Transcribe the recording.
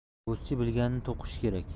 bo'zchi bilganini to'qishi kerak